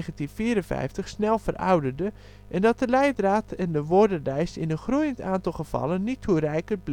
1954 snel verouderde, en dat de leidraad en de woordenlijst in een groeiend aantal gevallen niet toereikend